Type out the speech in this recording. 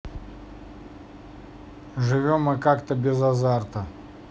живем мы как то без азарта